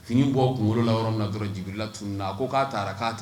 Fini bɔ kunkolo la yɔrɔ min na dɔrɔnjibi la tunun na a ko k'a taarara k'a ta